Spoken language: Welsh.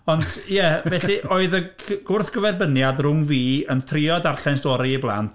Ond ie, felly oedd y c- gwrthgyferbyniad rhwng fi yn trio darllen stori i blant...